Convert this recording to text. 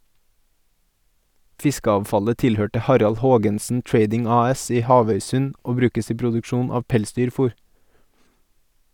Fiskeavfallet tilhørte Harald Haagensen Trading AS i Havøysund, og brukes i produksjon av pelsdyrfor.